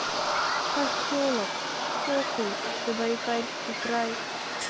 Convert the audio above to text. поселок кокуй забайкальский край